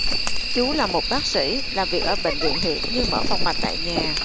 chú là một bác sĩ làm việc ở bệnh viện huyện nhưng mở phòng mạch tại nhà